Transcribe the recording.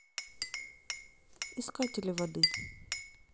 искатели воды